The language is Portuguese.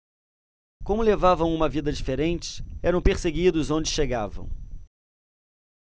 como levavam uma vida diferente eram perseguidos onde chegavam